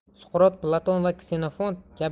suqrot platon va ksenofont kabi